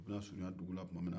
u bɛ surunya dugula tuma min na